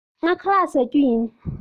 ངས ཁ ལག བཟས མེད